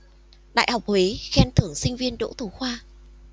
đại học huế khen thưởng sinh viên đỗ thủ khoa